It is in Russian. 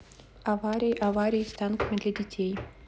аварии аварии с танками для детей